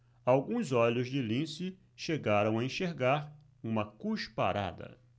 alguns olhos de lince chegaram a enxergar uma cusparada